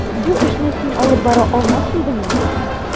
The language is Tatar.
Бу эшне син алып бара алмас идеңме?